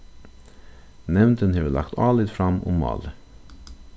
nevndin hevur lagt álit fram um málið